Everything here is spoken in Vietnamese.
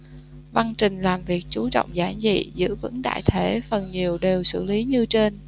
văn trình làm việc chú trọng giản dị giữ vững đại thể phần nhiều đều xử lý như trên